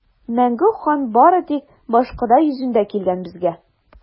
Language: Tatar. Мәңгүк хан бары тик башкода йөзендә килгән безгә!